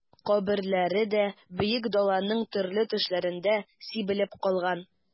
Каберләре дә Бөек Даланың төрле төшләрендә сибелеп калган...